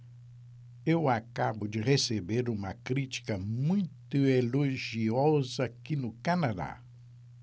eu acabo de receber uma crítica muito elogiosa aqui no canadá